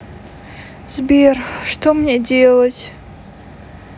сбер что мне делать